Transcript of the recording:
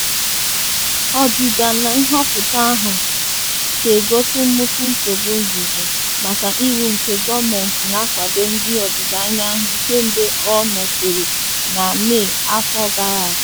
Ọdịda na nhọpụta ahụ ga-egosi nnukwu nsogbu izizi maka iwu nke gọọmentị na akwado ndị Odịda Anyanwụ kemgbe ọ nọchiri na Mey afọ gara aga.